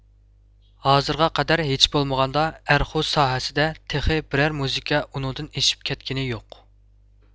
ھازىرغا قەدەر ھېچبولمىغاندا ئەرخۇ ساھەسىدە تېخى بىرەر مۇزىكا ئۇنىڭدىن ئېشىپ كەتكىنى يوق